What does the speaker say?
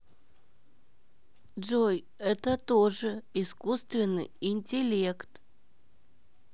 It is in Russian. джой это тоже искусственный интеллект